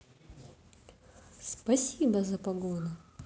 спасибо за погоду